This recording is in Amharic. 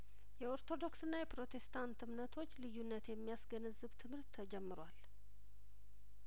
የኦርቶዶክስና የፕሮቴስታንት እምነቶች ልዩነት የሚያስ ገነዝብ ትምህርት ተጀምሯል